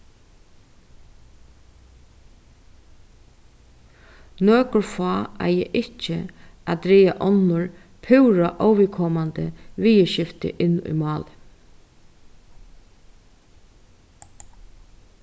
nøkur fá eiga ikki at draga onnur púra óviðkomandi viðurskifti inn í málið